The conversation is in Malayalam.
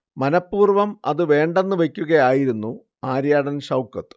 മനപ്പൂർവ്വം അത് വേണ്ടെന്ന് വയ്ക്കുകയായിരുന്നു ആര്യാടൻ ഷൗക്കത്ത്